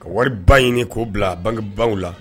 Ka wari ba ɲini k'o bila bangebaw la